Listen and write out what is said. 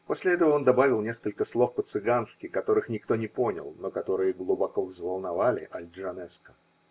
-- После этого он добавил несколько слов по цыгански, которых никто не понял, но которые глубоко взволновали Аль-Джанеско.